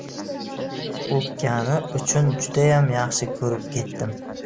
o'pgani uchun judayam yaxshi ko'rib ketdim